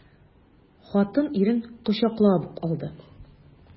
Хатын ирен кочаклап ук алды.